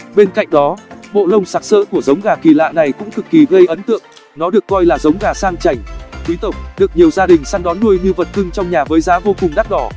bên cạnh đó bộ lông sặc sỡ của giống gà kỳ lạ này cũng cực kỳ gây ấn tượng nó được coi là giống gà sang chảnh quý tộc được nhiều gia đình săn đón nuôi như vật cưng trong nhà với giá vô cùng đắt đỏ